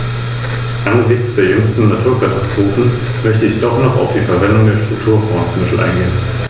Frau Präsidentin, soeben haben wir über einen Bericht mit dem Titel "Emissionsnormen für leichte Nutzfahrzeuge" abgestimmt.